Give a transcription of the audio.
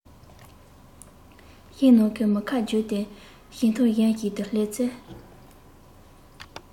ཞིང ནང གི མུ ཁ བརྒྱུད དེ ཞིང ཐང གཞན ཞིག ཏུ སླེབས ཚེ